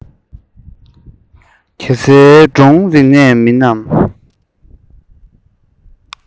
གེ སར སྒྲུང རིག གནས མིན ནམ